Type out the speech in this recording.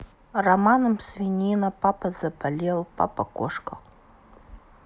романом свинина папа заболел папа кошка